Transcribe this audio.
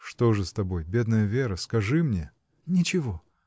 — Что же с тобой, бедная Вера? скажи мне. — Ничего.